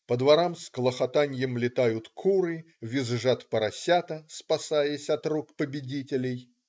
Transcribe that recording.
По дворам с клохотаньем летают куры, визжат поросята, спасаясь от рук победителей.